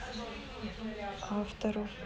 автору